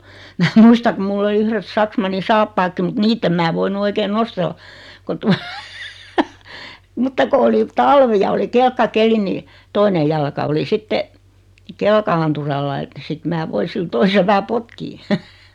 minä muistan kun minulla oli yhdet saksmannin saappaatkin mutta niitä en minä voinut oikein nostella kun tuota mutta kun oli talvi ja oli kelkkakeli niin toinen jalka oli sitten kelkananturalla että sitten minä voin sillä toisella vähän potkia